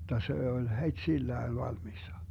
jotta se oli heti sillään valmiina